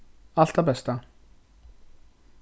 alt tað besta